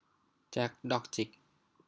แจ็คดอกจิก